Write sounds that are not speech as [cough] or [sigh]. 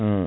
[hesitation] [hesitation]